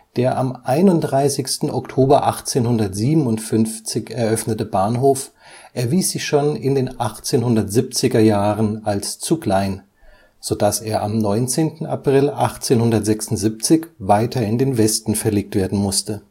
Der am 31. Oktober 1857 eröffnete Bahnhof erwies sich schon in den 1870er Jahren als zu klein, sodass er am 19. April 1876 weiter in den Westen verlegt werden musste